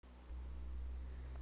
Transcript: okko кабинет отличный